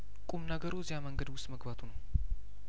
ቁም ነገሩ እዚያመንገድ ውስጥ መግባቱ ነው